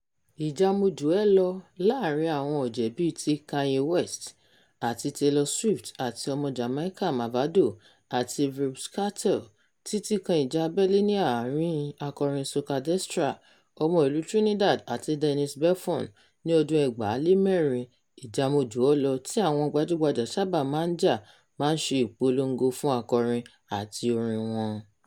Ìjà mo jù ẹ lọ láàárín àwọn ọ̀jẹ̀ bíi ti Kanye West àti Taylor Swift àti ọmọ Jamaica Mavado àti Vybz Kartel, títí kan ìjà abẹ́lé ní àárín-in akọrin soca Destra ọmọ ìlú Trinidad àti Denise Belfon ní ọdún 2004, ìjà mo jù ọ́ lọ tí àwọn gbajúgbajà sábà máa ń já máa ń sí ìpolongo fún akọrin àti orin wọn.